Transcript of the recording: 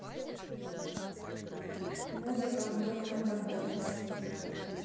музыка антонио бандераса